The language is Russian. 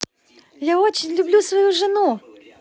я очень люблю свою жену